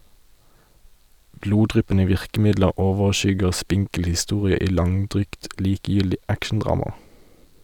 Bloddryppende virkemidler overskygger spinkel historie i langdrygt, likegyldig actiondrama.